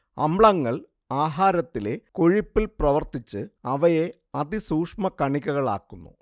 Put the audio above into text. അമ്ലങ്ങൾ ആഹാരത്തിലെ കൊഴുപ്പിൽ പ്രവർത്തിച്ച് അവയെ അതിസൂക്ഷ്മകണികകളാക്കുന്നു